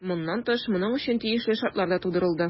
Моннан тыш, моның өчен тиешле шартлар да тудырылды.